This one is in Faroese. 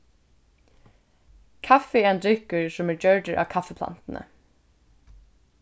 kaffi er ein drykkur sum er gjørdur av kaffiplantuni